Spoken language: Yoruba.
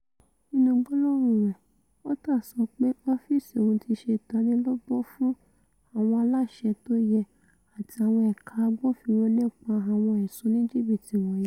nínú gbólóhùn rẹ̀, Waters sọ pé ọ́fíìsì òun ti ṣe ìtanilóbo fún ''àwọn aláṣẹ tóyẹ àti àwọn ẹ̀ka agbófinró nípa àwọn ẹ̀sùn oníjìbìtì wọ̀nyí.